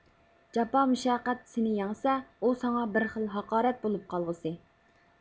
جاپا مۇشەققەت سېنى يەڭسە ئۇ ساڭا بىر خىل ھاقارەت بولۇپ قالغۇسى